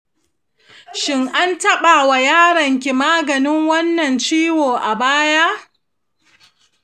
shin an taba wa yaron ki maganin wannan ciwon a baya?